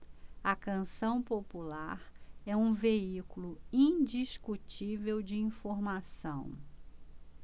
a canção popular é um veículo indiscutível de informação